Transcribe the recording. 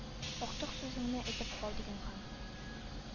Актык сүзеңне әйтеп кал,— дигән хан.